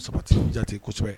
Sabatiw jate kosɛbɛ